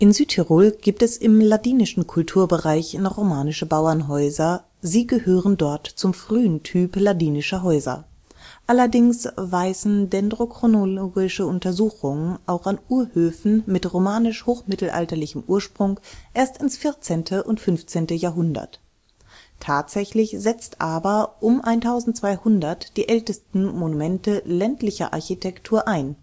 Südtirol gibt es im ladinischen Kulturbereich noch romanische Bauernhäuser, sie gehören dort zum frühesten Typ ladinischer Häuser. Allerdings weisen dendrochronologische Untersuchungen, auch an „ Urhöfen “mit „ romanisch-hochmittelalterlichem Ursprung “, erst ins 14. und 15. Jahrhundert. Tatsächlich setzen aber um 1200 die ältesten Monumente ländlicher Architektur ein